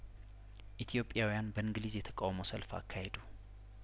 ኢትዮጵያውያን በእንግሊዝ የተቃውሞ ሰልፍ አካሄዱ